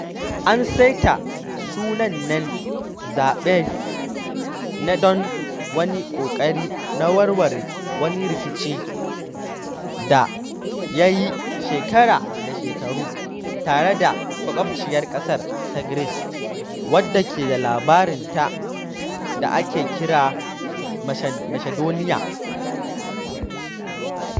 An saita sanannen zaɓen ne don wani ƙoƙari na warware wani rikicin da ya yi shekara da shekaru tare da makwaɓciyar ƙasa ta Greece, wadda ke da lardinta da ake kira Macedonia.